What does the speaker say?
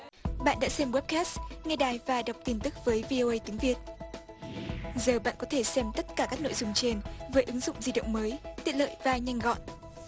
bạn đã xem goép cát nghe đài và đọc tin tức với vi ô ây tiếng việt giờ bạn có thể xem tất cả các nội dung trên với ứng dụng di động mới tiện lợi và nhanh gọn